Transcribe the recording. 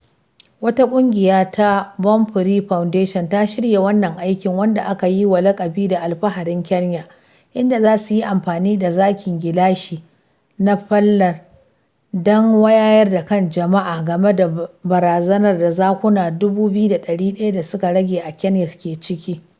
Wata ƙungiya ta Born Free Foundation ta shirya wannan aikin, wanda aka yiwa laƙabi da "Alfaharin Kenya" inda za su yi amfani da zakin gilashi na faiba, don wayar da kan jama’a game da barazanar da zakuna 2,100 da suka rage a Kenya ke ciki .